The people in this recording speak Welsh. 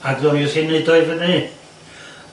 Ac o'n i wrthi'n neud o i fyny